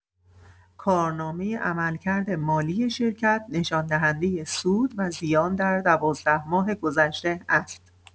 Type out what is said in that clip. کارنامه عملکرد مالی شرکت، نشان‌دهنده سود و زیان در دوازده ماه گذشته است.